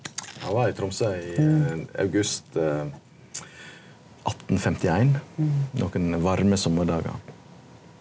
han var i Tromsø i august 1851 nokon varme sommardagar.